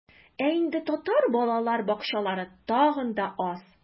Ә инде татар балалар бакчалары тагын да аз.